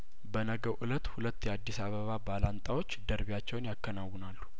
በነገው እለት ሁለት የአዲስ አበባ ባላንጣዎች ደርቢያቸውን ያከናውናሉ